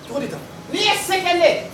Cogo ta n'i ye sɛgɛ